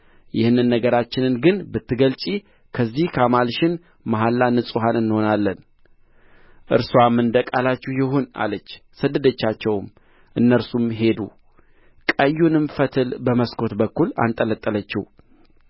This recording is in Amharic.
ይህንን ነገራችንን ግን ብትገልጪ ከዚህ ካማልሽን መሐላ ንጹሐን እንሆናለን እርስዋም እንደ ቃላችሁ ይሁን አለች ሰደደቻቸውም እነርሱም ሄዱ ቀዩንም ፈትል በመስኮቱ በኩል አንጠለጠለችው